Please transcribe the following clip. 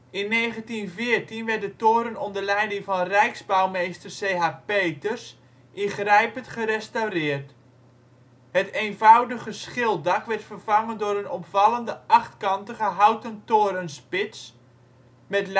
1914 werd de toren onder leiding van rijksbouwmeester C.H. Peters ingrijpend gerestaureerd. Het eenvoudige schilddak werd vervangen door een opvallende achtkantige houten torenspits, met